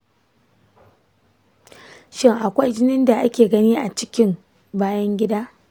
shin akwai jinin da ake gani a cikin bayan gida?